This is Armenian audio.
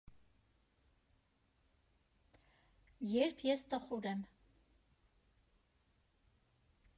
Երբ ես տխուր եմ։